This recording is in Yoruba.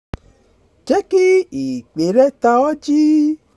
Jẹ́ kí ìpèe rẹ̀ ta ọ́ jí!